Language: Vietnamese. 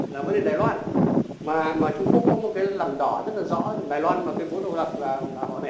là vấn đề đài loan mà mà trung quốc có một cái lằn đỏ rất là rõ rằng đài loan mà tuyên bố độc lập là là họ nện